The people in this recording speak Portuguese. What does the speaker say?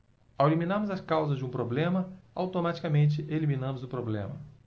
ao eliminarmos as causas de um problema automaticamente eliminamos o problema